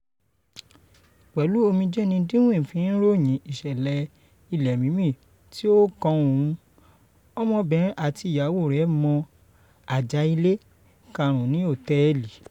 Pẹ̀lú omijé ni Dwi fi ń ròyìn ìṣẹ̀lẹ ilẹ̀ mímì tí ó ká òun, ọmọbìnrin àti iyawo re mọ́ àjà-ile karùn-ún ní hòtẹ́ẹ̀lì.